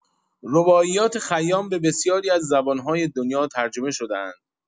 رباعیات خیام به بسیاری از زبان‌های دنیا ترجمه شده‌اند.